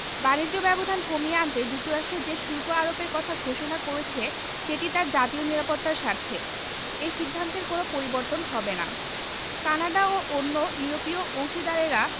বাণিজ্য ব্যবধান কমিয়ে আনতে যুক্তরাষ্ট্র যে শুল্ক আরোপের কথা ঘোষণা করেছে সেটি তার জাতীয় নিরাপত্তার স্বার্থে এ সিদ্ধান্তের কোনো পরিবর্তন হবে না কানাডা ও অন্য ইউরোপীয় অংশীদারেরা